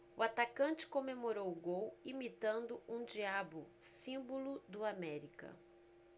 o atacante comemorou o gol imitando um diabo símbolo do américa